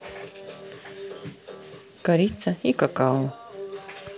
корица и какао